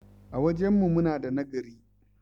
A wajenmu, muna da nagari.